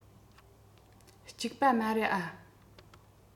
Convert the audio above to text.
ཅིག པ མ རེད ཨ